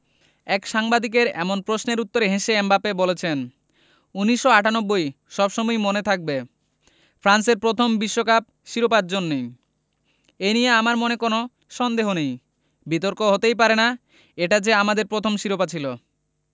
এক সাংবাদিকের এমন প্রশ্নের উত্তরে হেসে এমবাপ্পে বলেছেন ১৯৯৮ সব সময়ই মনে থাকবে ফ্রান্সের প্রথম বিশ্বকাপ শিরোপার জন্যই এ নিয়ে আমার মনে কোনো সন্দেহ নেই বিতর্ক হতেই পারে না এটা যে আমাদের প্রথম শিরোপা ছিল